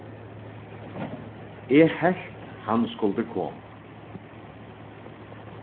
eg helt hann skuldi koma